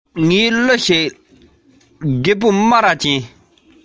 ང ཚོ སྤུན མཆེད གསུམ